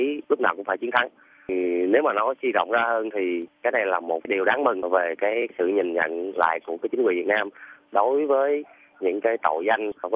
lý lúc nào cũng phải chiến thắng thì nếu mà nói suy rộng ra hơn thì cái này là một điều đáng mừng là về cái sự nhìn nhận lại chính quyền việt nam đối với những cái tội danh không